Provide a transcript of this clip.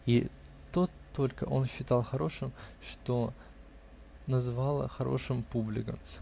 И то только он считал хорошим, что называла хорошим публика.